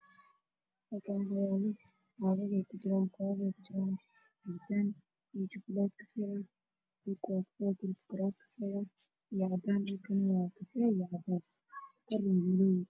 Meeshaan waxaa iga muuqda laba cabitaan oo caddaan iyo qaxwi ah oo aada u qurxin